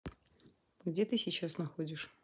где ты сейчас находишь